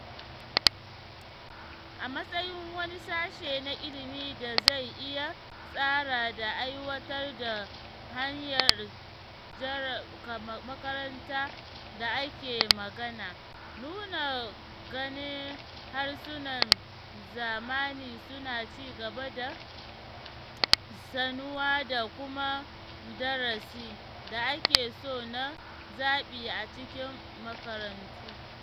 A matsayin wani sashe na ilmi da zai iya tsara da aiwatar da manhajar makaranta da ake magana, muna ganin harsunan zamani suna ci gaba da da sanuwa da kuma darasi da ake so na zabi a cikin makarantu.